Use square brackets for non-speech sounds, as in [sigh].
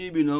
[hesitation] [hesitation]